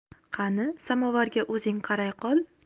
qani samovarga o'zing qaray qol